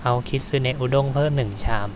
เอาคิสึเนะอุด้งเพิ่มหนึ่งชาม